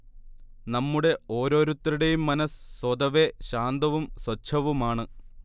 നമ്മുടെ ഓരോരുത്തരുടെയും മനസ്സ് സ്വതവേ ശാന്തവും സ്വഛവുമാണ്